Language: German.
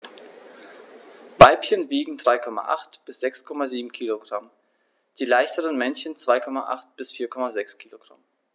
Weibchen wiegen 3,8 bis 6,7 kg, die leichteren Männchen 2,8 bis 4,6 kg.